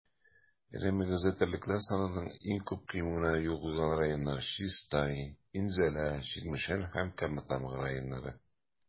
Эре мөгезле терлекләр санының иң күп кимүенә юл куйган районнар - Чистай, Минзәлә, Чирмешән һәм Кама Тамагы районнары.